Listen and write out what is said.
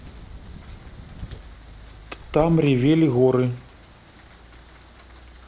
там ревели горы